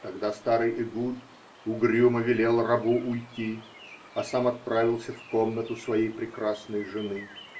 Тогда старый Эгуд угрюмо велел рабу уйти, а сам отправился в комнату своей прекрасной жены.